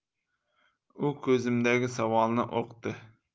u ko'zimdagi savolni uqdi